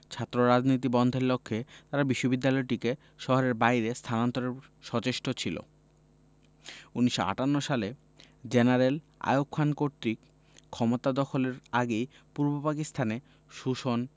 ছাত্ররাজনীতি বন্ধের লক্ষ্যে তারা বিশ্ববিদ্যালয়টিকে শহরের বাইরে স্থানান্তরে সচেষ্ট ছিল ১৯৫৮ সালে জেনারেল আইয়ুব খান কর্তৃক ক্ষমতা দখলের আগেই পূর্ব পাকিস্তানে শোষণ